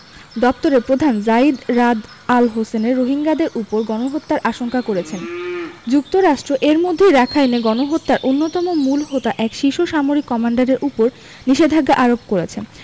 দপ্তরের প্রধান Zeid Raad Al Hussein রোহিঙ্গাদের ওপর গণহত্যার আশঙ্কা করেছেন যুক্তরাষ্ট্র এরই মধ্যে রাখাইনে গণহত্যার অন্যতম মূল হোতা এক শীর্ষ সামরিক কমান্ডারের ওপর নিষেধাজ্ঞা আরোপ করেছে